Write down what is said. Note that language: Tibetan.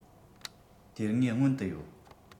དེ ངའི སྔོན དུ ཡོད